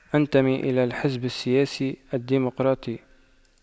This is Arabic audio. أنتمي إلى الحزب السياسي الديمقراطي